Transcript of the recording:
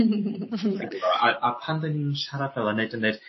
a a pan 'dan ni'n siarad fel 'a neud yn ddeud